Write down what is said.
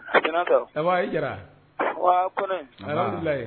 Jiginnatɔ saba jɛra kɔnɔ a fila